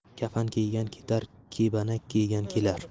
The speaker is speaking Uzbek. kafan kiygan ketar kebanak kiygan kelar